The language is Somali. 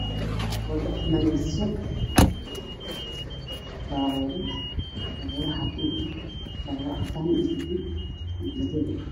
Qolkaan waxaa yaalo miis waxaa korka ka saaran Maro gaduud ah